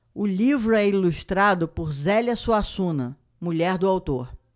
o livro é ilustrado por zélia suassuna mulher do autor